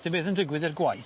Sim beth yn digwydd i'r gwaith?